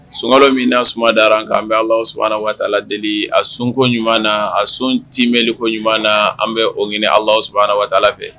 Sunka min na sudara'an bɛ ala sla deli a sunko ɲuman na a sun ti bɛko ɲuman na an bɛ o ɲini ala s waa fɛ